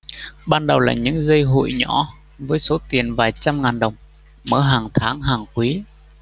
ban đầu là những dây hụi nhỏ với số tiền vài trăm ngàn đồng mở hàng tháng hàng quý